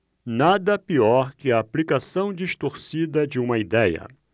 nada pior que a aplicação distorcida de uma idéia